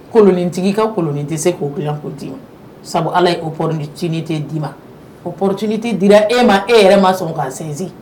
Kolonintigi ka kolonin tɛ se k'o g ko d'i ma sabu ala ye' o pcinin tɛ d'i ma o pcinin tɛ dira e ma e yɛrɛ ma sɔn k'a sinsin